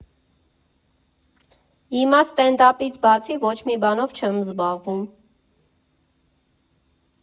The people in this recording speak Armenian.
Հիմա ստենդափից բացի ոչ մի բանով չեմ զբաղվում։